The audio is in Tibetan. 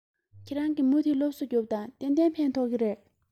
ཁྱེད རང གིས མུ མཐུད སློབ གསོ རྒྱོབས དང གཏན གཏན ཕན ཐོགས ཀྱི རེད